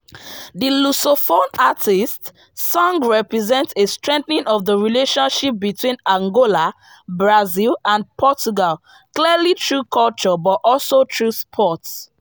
The Lusophone artists’ song represents a strengthening of the relationship between Angola, Brazil and Portugal — clearly through culture, but also through sport.